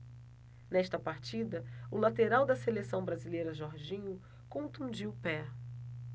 nesta partida o lateral da seleção brasileira jorginho contundiu o pé